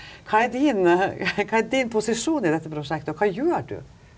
hva er din hva er din posisjon i dette prosjektet og hva gjør du?